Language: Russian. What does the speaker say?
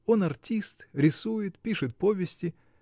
Он артист: рисует, пишет повести.